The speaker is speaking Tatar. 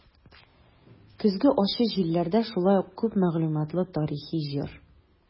"көзге ачы җилләрдә" шулай ук күп мәгълүматлы тарихи җыр.